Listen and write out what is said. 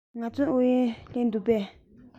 ངལ རྩོལ ཨུ ཡོན སླེབས འདུག གས